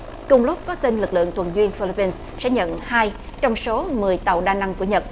cùng lúc có tin lực lượng tuần duyên phơ lớp pin sẽ nhận hai trong số mười tàu đa năng của nhật